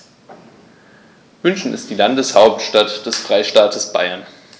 München ist die Landeshauptstadt des Freistaates Bayern.